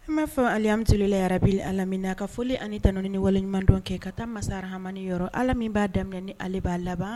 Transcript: An b'a fɔ alhamidulaahi rabil aalamina ka foli ani tanu ni waleɲuman dɔn kɛ ka taa masa rahamani yɔrɔ allah min b'a daminɛ ni ale b'a laban.